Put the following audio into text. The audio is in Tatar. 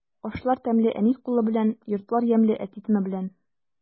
Ашлар тәмле әни кулы белән, йортлар ямьле әти тыны белән.